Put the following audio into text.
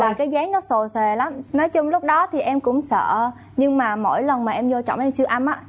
là cái dáng nó sồ sề lắm nói chung lúc đó thì em cũng sợ nhưng mà mỗi lần mà em vào trong em siêu âm á